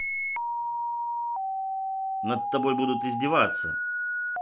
над тобой будут издеваться